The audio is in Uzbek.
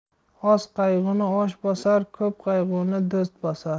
oz qayg'uni osh bosar ko'p qayg'uni do'st bosar